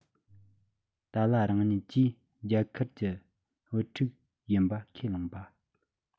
ཏཱ ལ རང ཉིད ཀྱིས རྒྱ གར གྱི བུ ཕྲུག ཡིན པ ཁས བླངས པ